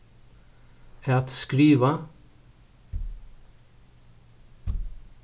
at skriva